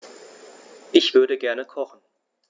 Ich würde gerne kochen.